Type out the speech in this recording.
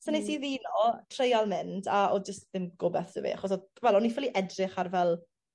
So nes i ddino treial mynd a o'dd jyst ddim gobeth 'dy fi achos o'dd wel o'n i ffili edrych ar fel